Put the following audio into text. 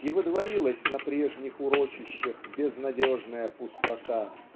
и водворилась на прежних урочищах безнадежная пустота.